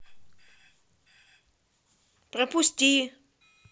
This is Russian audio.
пропусти